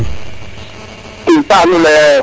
tig paax nu laya yo